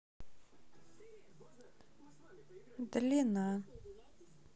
длина